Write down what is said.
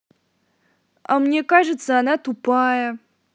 а мне кажется она тупая